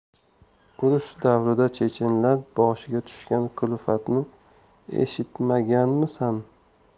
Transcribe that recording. urush davrida chechenlar boshiga tushgan kulfatni eshitmaganmisan